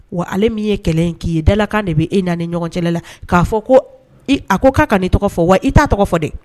Wa ale min ye kɛlɛ k'i ye dala kan de bɛ e na ni ɲɔgɔncɛ la k'a fɔ ko a ko k'a ka nin tɔgɔ fɔ wa i t'a tɔgɔ fɔ dɛ